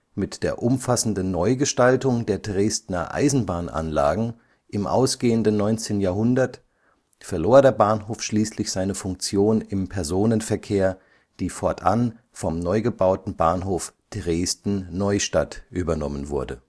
Mit der umfassenden Neugestaltung der Dresdner Eisenbahnanlagen im ausgehenden 19. Jahrhundert verlor der Bahnhof schließlich seine Funktion im Personenverkehr, die fortan vom neugebauten Bahnhof Dresden-Neustadt übernommen wurde